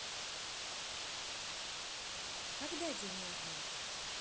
когда день армии